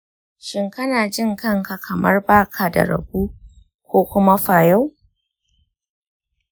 shin kana jin kan ka kamar baka da rabo ko kuma fayau?